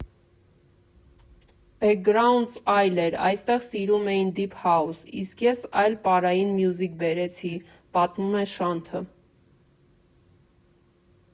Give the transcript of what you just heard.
Բեքգրաունդս այլ էր, այստեղ սիրում էին դիփ հաուս, իսկ ես այլ պարային մյուզիք բերեցի»,֊ պատմում է Շանթը։